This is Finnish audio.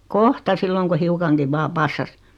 kohta silloin kun hiukankin vain passasi